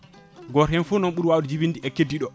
goto hen fo noon ɓuuri wawde jibinde e keddiɗo o